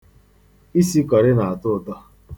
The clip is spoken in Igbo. Isi kọrị na-atọ ụtọ.